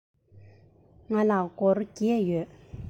ང ལ སྒོར བརྒྱད ཡོད